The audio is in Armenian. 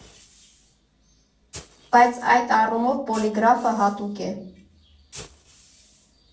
Բայց այդ առումով Պոլիգրաֆը հատուկ է։